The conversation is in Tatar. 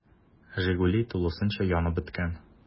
“жигули” тулысынча янып беткән.